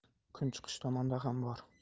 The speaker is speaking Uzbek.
kunchiqish tomonda ham bor